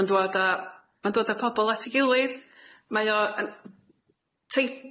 Ma'n dwad a ma'n dod a pobol at ei gilydd, mae o yn, teit-